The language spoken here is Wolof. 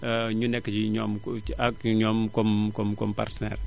ñu nekk ci ñoom ci ak ñoom comme comme comme partenaire